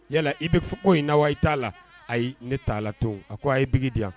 Yala i bɛ fɔ ko in na wa i t'a la ayi ne t'a la to a ko a ye bi diya yan